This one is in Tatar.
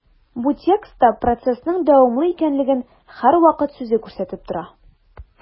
Бу текстта процессның дәвамлы икәнлеген «һәрвакыт» сүзе күрсәтеп тора.